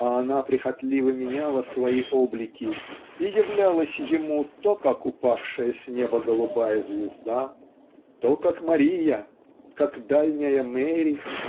а она прихотливо меняла свои облики и являлась ему то как упавшая с неба голубая звезда то как Мария как дальняя Мэри